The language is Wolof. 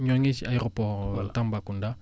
ñoo ngi si aéroport Tambacounda